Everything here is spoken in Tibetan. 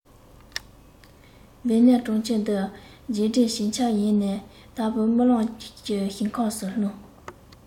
དབེན གནས གྲོང ཁྱེར འདིར རྗེས དྲན བྱེད འཆར ཡན ནས དལ བུར རྨི ལམ གྱི ཞིང ཁམས སུ ལྷུང